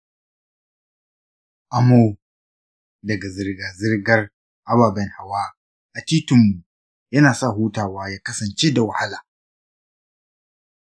amo daga zirga-zirgar ababen hawa a titinmu yana sa hutawa ya kasance da wahala.